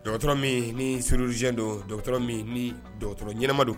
Dɔw dɔgɔtɔrɔ min ni sruzy don dɔw dɔgɔtɔrɔ min ni dɔgɔtɔrɔ ɲɛnaɛnɛma don